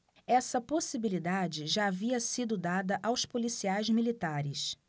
essa possibilidade já havia sido dada aos policiais militares